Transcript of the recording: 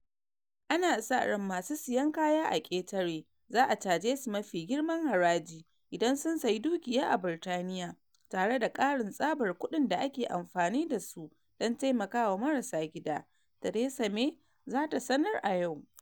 Ana sa ran masu siyan kaya na ƙetare za a caje su mafi girman haraji idan sun sayi dukiya a Birtaniya - tare da ƙarin tsabar kuɗin da ake amfani da su don taimaka wa marasa gida, Theresa May za ta sanar a yau.